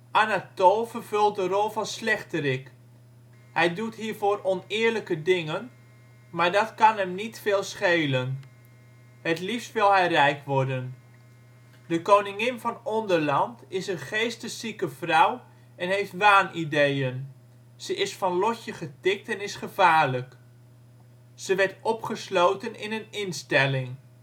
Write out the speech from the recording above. Anatool vervult de rol van slechterik. Hij doet hiervoor oneerlijke dingen, maar dat kan hem niet veel schelen. Het liefst wil hij rijk worden. De koningin van Onderland is een geesteszieke vrouw en heeft waanideëen. Ze is van lotje getikt en is gevaarlijk. Ze werd opgesloten in een instelling